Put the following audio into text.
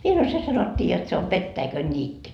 minä sanoin se sanottiin jotta se on petäikönniitty